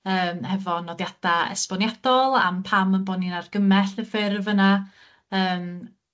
yym hefo nodiada esboniadol, am pam 'yn bod ni'n argymell y ffurf yna yym